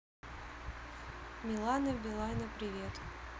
милана билайна привет